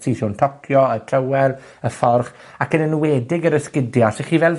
siswrn tocio, y trywel, y fforch, ac yn enwedig yr esgidie, os 'ych chi fel